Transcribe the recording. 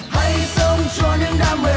hãy sống cho những đam mê